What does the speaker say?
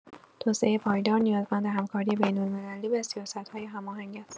توسعه پایدار نیازمند همکاری بین‌المللی و سیاست‌های هماهنگ است.